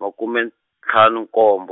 makume ntlhanu nkombo.